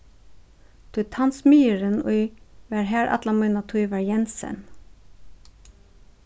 tí tann smiðurin ið var har alla mína tíð var jensen